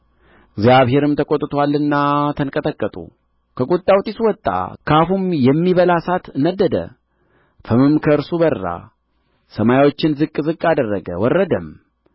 እግዚአብሔርም ተቈጥቶአልና ተንቀጠቀጡ ከቍጣው ጢስ ወጣ ከአፉም የሚበላ እሳት ነደደ ፍምም ከእርሱ በራ ሰማዮችን ዝቅ ዝቅ አደረገ ወረደም